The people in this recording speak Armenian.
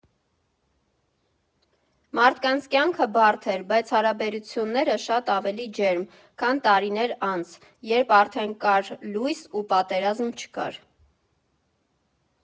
Մարդկանց կյանքը բարդ էր, բայց հարաբերությունները՝ շատ ավելի ջերմ, քան տարիներ անց, երբ արդեն կար լույս ու պատերազմ չկար։